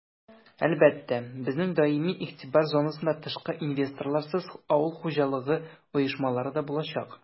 Әлбәттә, безнең даими игътибар зонасында тышкы инвесторларсыз авыл хуҗалыгы оешмалары да булачак.